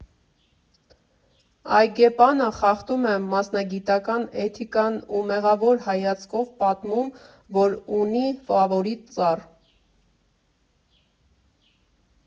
Այգեպանը խախտում է մասնագիտական էթիկան ու մեղավոր հայացքով պատմում, որ ունի ֆավորիտ ծառ.